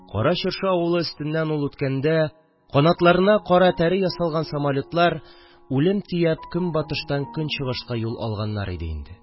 Кара Чыршы авылы өстеннән ул үткәндә канатларына кара тәре ясалган самолетлар үлем төяп көнбатыштан көнчыгышка юл алганнар иде инде